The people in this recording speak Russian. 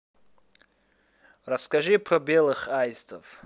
расскажи про белых аистов